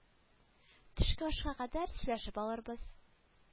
Төшке ашка кадәр сөйләшеп алырбыз